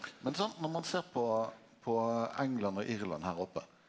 men sant når ein ser på på England og Irland her oppe.